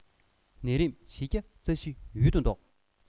ནད རིམས བཞི བརྒྱ རྩ བཞི ཡུལ དུ བཟློག